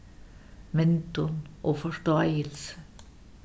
myndum og forstáilsi